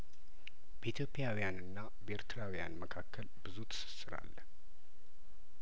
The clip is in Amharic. በኢትዮፕያውያንና በኤርትራውያን መካከል ብዙ ትስስር አለ